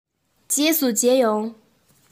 རྗེས སུ མཇལ ཡོང